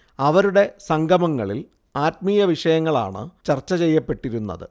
അവരുടെ സംഗമങ്ങളിൽ ആത്മീയവിഷയങ്ങളാണ് ചർച്ചചെയ്യപ്പെട്ടിരുന്നത്